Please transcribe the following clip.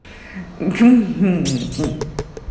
кмх